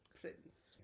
The Prince